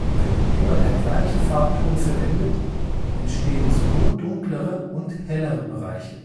Wird immer der gleiche Farbton verwendet, entstehen so dunklere und hellere Bereiche